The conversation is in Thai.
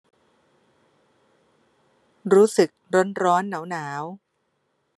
รู้สึกร้อนร้อนหนาวหนาว